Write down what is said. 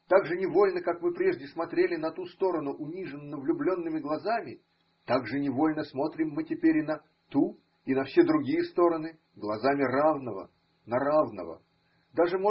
Так же невольно, как мы прежде смотрели на ту сторону униженно влюбленными глазами, так же невольно смотрим мы теперь и на ту, и на все другие стороны глазами равного на равного – даже.